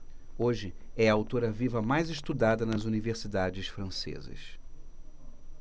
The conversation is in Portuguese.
hoje é a autora viva mais estudada nas universidades francesas